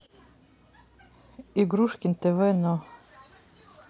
игрушкин тв но